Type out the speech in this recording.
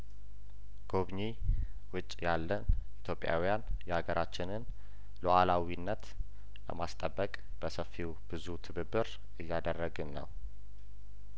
ጐብኚ ውጭ ያለ ኢትዮጵያውያን የአገራችንን ሉአላዊነት ለማስጠበቅ በሰፊው ብዙ ትብብር እያደረግን ነው